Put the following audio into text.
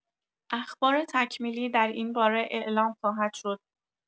اخبار تکمیلی در این باره اعلام خواهد شد.